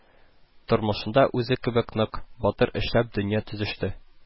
Тормышында үзе кебек нык, батыр эшләп дөнья төзеште